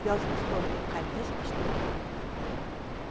yozuv stoliga qaytish ishtiyoqida yonar ekan